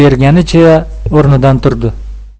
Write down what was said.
berganicha o'rnidan turdi